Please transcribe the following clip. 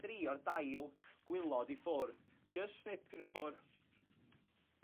dri o'r dail gwilod i ffwr', jyst snipio n'w ffwr'.